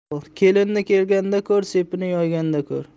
kelinni kelganda ko'r sepini yoyganda ko'r